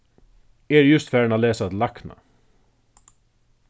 eg eri júst farin at lesa til lækna